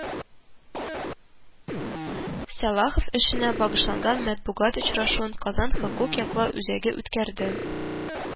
Сәлахов эшенә багышланган матубгат очрашуын Казан хокук яклау үзәге үткәрде